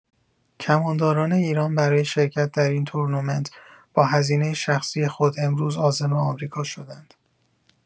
کمانداران ایران برای شرکت در این تورنمنت با هزینۀ شخصی خود امروز عازم آمریکا شدند.